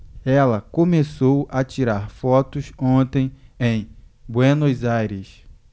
ela começou a tirar fotos ontem em buenos aires